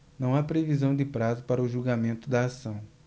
não há previsão de prazo para o julgamento da ação